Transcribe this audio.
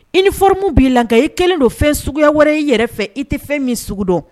I nioromuw b'i la ka i kɛlen don fɛn suguya wɛrɛ i yɛrɛ fɛ i tɛ fɛn min sugu dɔn